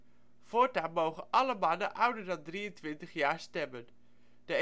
Voortaan mogen alle mannen ouder dan 23 jaar stemmen. De evenredige